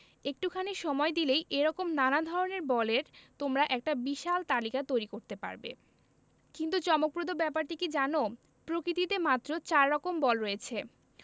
একটুখানি সময় দিলেই এ রকম নানা ধরনের বলের তোমরা একটা বিশাল তালিকা তৈরি করতে পারবে কিন্তু চমকপ্রদ ব্যাপারটি কী জানো প্রকৃতিতে মাত্র চার রকম বল রয়েছে